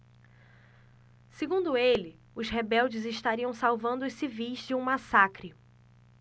segundo ele os rebeldes estariam salvando os civis de um massacre